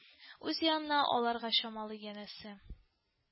Үз янына алырга чамалый, янәсе